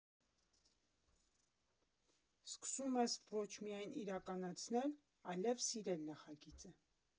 Սկսում ես ոչ միայն իրականացնել, այլև սիրել նախագիծը։